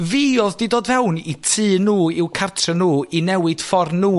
fi odd 'di dod fewn i tŷ nw, i'w cartre nw, i newid ffor nw